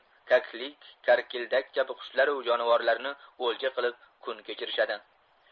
kaklik karkildak kabi qushlaru jonivorlami o'lja qilib kun kechirishadi